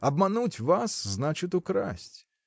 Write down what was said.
Обмануть вас — значит украсть.